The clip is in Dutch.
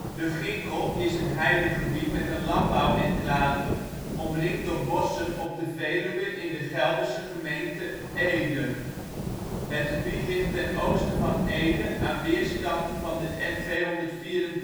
De Ginkel is een heidegebied met landbouwenclave omringd door bossen op de Veluwe in de Gelderse gemeente Ede. Het gebied ligt ten oosten van Ede aan weerskanten van de N224. Het